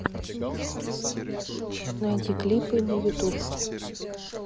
найди клипы на ютуб